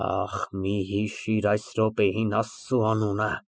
ԱՆԴՐԵԱՍ ֊ Ահ մի հիշիր այս րոպեին Աստծու անունը։